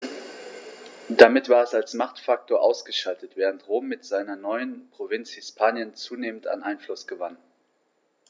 Damit war es als Machtfaktor ausgeschaltet, während Rom mit seiner neuen Provinz Hispanien zunehmend an Einfluss gewann.